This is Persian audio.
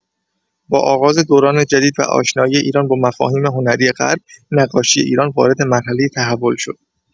با آغاز دوران جدید و آشنایی ایران با مفاهیم هنری غرب، نقاشی ایران وارد مرحله تحول شد.